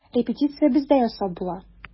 Репетиция бездә ясап була.